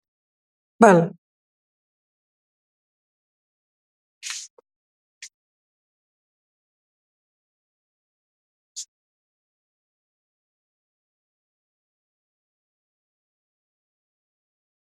Bal